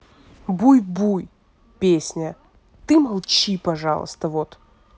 буй буй песня ты молчи пожалуйста вот